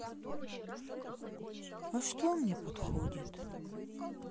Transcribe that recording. а что мне подходит